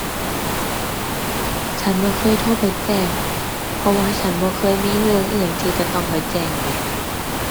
ฉันบ่เคยโทรไปแจ้ง เพราะว่าฉันบ่เคยมีเรื่องอิหยังที่จะต้องไปแจ้งแหม